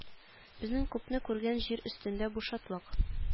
Безнең күпне күргән җир өстендә бу шатлык